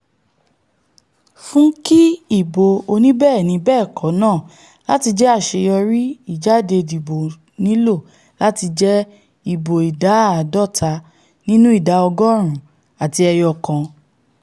Fún ki ìbò oníbẹ́ẹ̀ni-bẹ́ẹ̀kọ́ náà láti jẹ́ àṣeyọrí ìjáde-dìbò nílò láti jẹ́ ìbò ìdá àádọ́ta nínú ìdá ọgọ́ọ̀rún àti ẹyọ kan.